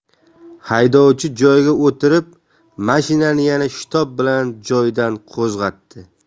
haydovchi joyiga o'tirib mashinani yana shitob bilan joyidan qo'zg'otdi